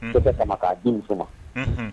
To tɛ kama'a denmuso ma